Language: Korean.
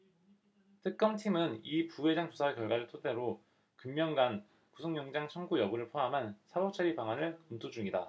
특검팀은 이 부회장 조사 결과를 토대로 금명간 구속영장 청구 여부를 포함한 사법처리 방안을 검토 중이다